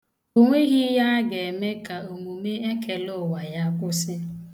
O nweghị ihe a ga-eme ka omume ekelụụwa ya kwụsị.